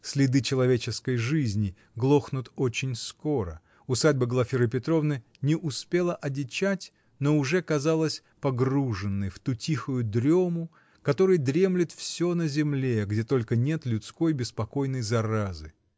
Следы человеческой жизни глохнут очень скоро: усадьба Глафиры Петровны не успела одичать, но уже казалась погруженной в ту тихую дрему, которой дремлет все на земле, где только нет людской, беспокойной заразы.